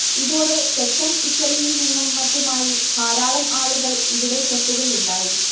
ഇതോടെ തെക്കൻ ഇറ്റലിയിൽനിന്നും മറ്റുമായി ധാരാളം ആളുകൾ ഇവിടേക്കെത്തുകയുണ്ടായി